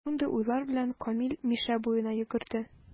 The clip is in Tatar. Шундый уйлар белән, Камил Мишә буена йөгерде.